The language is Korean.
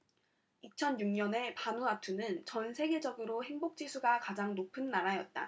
이천 육 년에 바누아투는 전 세계적으로 행복 지수가 가장 높은 나라였다